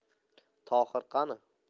tohir qani